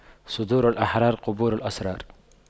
صدور الأحرار قبور الأسرار